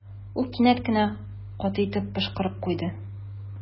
Ул кинәт кенә каты итеп пошкырып куйды.